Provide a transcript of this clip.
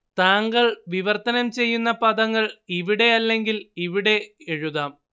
താങ്കൾ വിവർത്തനം ചെയ്യുന്ന പദങ്ങൾ ഇവിടെ അല്ലെങ്കിൽ ഇവിടെ എഴുതാം